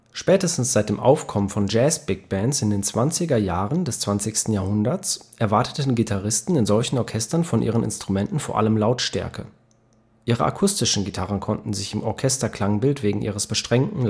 Spätestens seit dem Aufkommen von Jazz Big Bands in den zwanziger Jahren des 20. Jahrhunderts erwarteten Gitarristen in solchen Orchestern von ihren Instrumenten vor allem Lautstärke. Ihre akustischen Gitarren konnten sich im Orchesterklangbild wegen ihres beschränkten